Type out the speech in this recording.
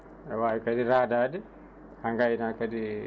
aɗa wawi kadi radade ha gayna kadi